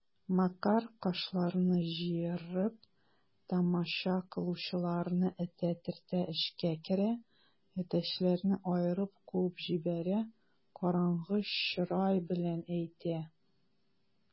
Макар, кашларын җыерып, тамаша кылучыларны этә-төртә эчкә керә, әтәчләрне аерып куып җибәрә, караңгы чырай белән әйтә: